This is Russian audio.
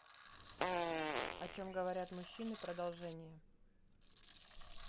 о чем говорят мужчины продолжение